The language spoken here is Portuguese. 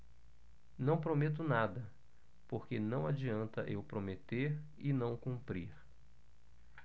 não prometo nada porque não adianta eu prometer e não cumprir